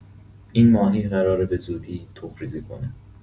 این ماهی قراره به‌زودی تخم‌ریزی کنه.